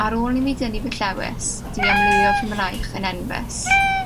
ar ôl i mi dynnu fy llewys, dwi am lywio fy mraich yn enfys,